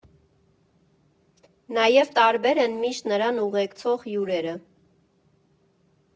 Նաև տարբեր են միշտ նրան ուղեկցող հյուրերը։